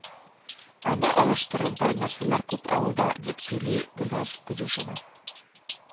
Аны алыштырырдай нәрсәләр күп авылда, дип сөйли Гөлназ Кудюшева